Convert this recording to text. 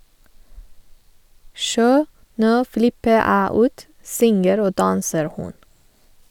- Sjå, no flippe æ ut, synger og danser hun.